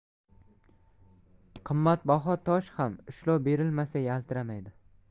qimmatbaho tosh ham ishlov berilmasa yaltiramaydi